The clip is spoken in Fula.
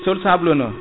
sol sabloneux